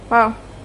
Oh.